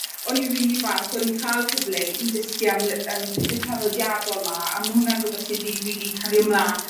o'n i rili falch o'n i'n ca'l cyfle i dysgu am yy am pethe traddodiadol 'ma, a ma' hwnna'n rwbeth sy 'di rili cario mlan